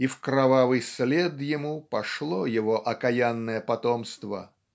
и в кровавый след ему пошло его окаянное потомство.